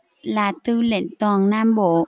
là tư lệnh toàn nam bộ